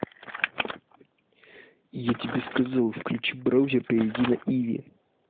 я тебе сказал включи браузер перейди на ivi